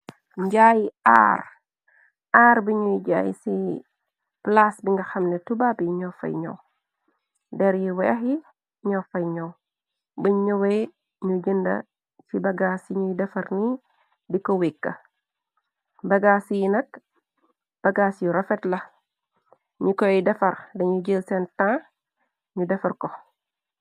Njaayi aar, aar bi ñuy jaay ci plaase bi nga xamne tubab yi ñoo fay ñow. Der yi weex yi ñoo fay ñow, buñ ñëwee, ñu jënda, ci bagaas yi ñuy defar ni di ko wekka. Bagaas yi nak, bagaas yu rofet la, ñi koy defar dañu jël seen ta, ñu defar ko.